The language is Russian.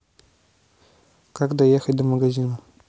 как доехать до магазина